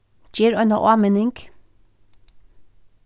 ger eina áminning